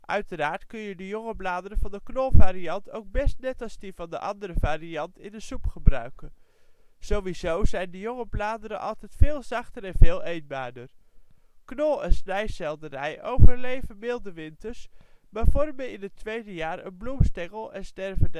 Uiteraard kun je de jonge bladeren van de knol-variant ook best net als die van de andere variant in de soep gebruiken. Sowieso zijn de jonge bladeren altijd veel zachter en veel eetbaarder. Knol - en snijselderij overleven milde winters, maar vormen in het tweede jaar een bloemstengel en sterven